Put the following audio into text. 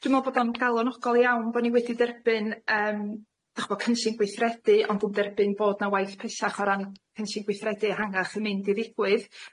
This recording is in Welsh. Dwi me'wl bod o'n galonogol iawn bo' ni wedi derbyn yym dych ch'bod cynllyn gweithredu ond yn derbyn bod 'na waith pwysicach o ran cynsyn gweithredu ehangach yn mynd i ddigwydd.